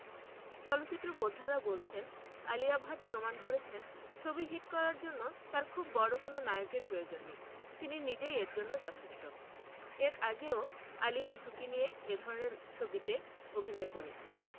চলচ্চিত্র বোদ্ধারা বলছেন আলিয়া ভাট প্রমাণ করেছেন ছবি হিট করার জন্য তার খুব বড় কোনো নায়কের প্রয়োজন নেই তিনি নিজেই এর জন্য যথেষ্ট এর আগেও আলিয়া ঝুঁকি নিয়ে এ ধরনের ছবিতে অভিনয় করেছেন